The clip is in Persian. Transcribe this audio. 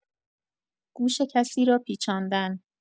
گوش کسی را پیچاندن